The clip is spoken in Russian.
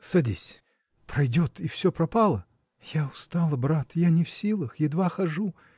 Садись, — пройдет, и всё пропало! — Я устала, брат. я не в силах, едва хожу.